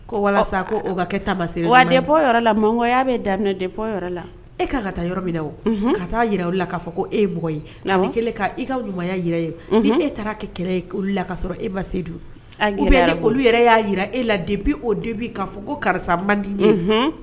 Ko walasa ko ka kɛ taaba se wa debɔ yɔrɔ la mankɔya bɛ daminɛ debɔ yɔrɔ la e k kaa ka taa yɔrɔ min o ka taa jira o la k kaa fɔ ko e ye'a' e ka ɲumanya yi jira ye e taara kɛ kɛlɛ e' la ka sɔrɔ e basedu a g olu yɛrɛ y'a jira e la de o debi'a fɔ ko karisa mandi ye